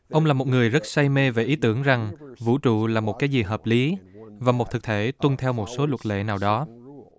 ông là một người rất say mê và ý tưởng rằng vũ trụ là một cái gì hợp lý và một thực thể tuân theo một số luật lệ nào đó